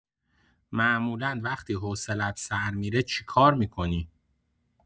معمولا وقتی حوصله‌ات سر می‌ره چی کار می‌کنی؟